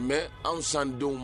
N bɛ anw san denw